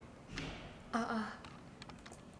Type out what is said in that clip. ཨ ཨ